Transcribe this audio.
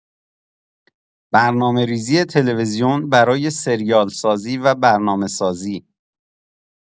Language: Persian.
برنامه‌ریزی تلویزیون برای سریال‌سازی و برنامه‌سازی